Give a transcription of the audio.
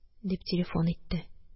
Дип, телефон итте